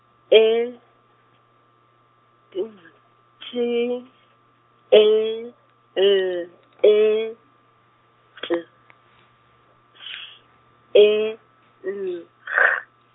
E F E , L E T S E N G.